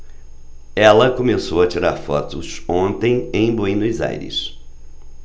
ela começou a tirar fotos ontem em buenos aires